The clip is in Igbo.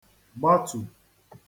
-gbatù